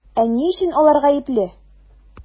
Ә ни өчен алар гаепле?